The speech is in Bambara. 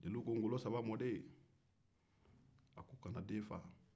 jeliw ko ŋolo saba mɔden kana den faa